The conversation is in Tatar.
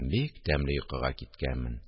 Бик тәмле йокыга киткәнмен